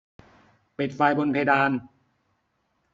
ปิดไฟบนเพดาน